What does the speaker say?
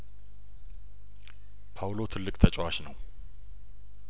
ፓውሎ ትልቅ ተጨዋች ነው